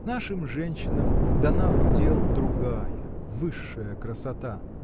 Нашим женщинам дана в удел другая, высшая красота.